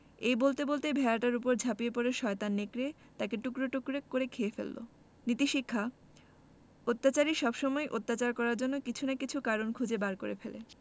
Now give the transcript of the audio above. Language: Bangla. এই বলতে বলতেই ভেড়াটার উপর ঝাঁপিয়ে পড়ে শয়তান নেকড়ে তাকে টুকরো টুকরো করে খেয়ে ফেলল নীতিশিক্ষা অত্যাচারী সবসময়ই অত্যাচার করার জন্য কিছু না কিছু কারণ খুঁজে বার করে ফেলে